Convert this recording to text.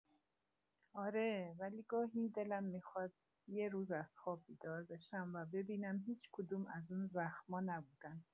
آره، ولی گاهی دلم می‌خواد یه روز از خواب بیدار بشم و ببینم هیچ‌کدوم از اون زخما نبودن.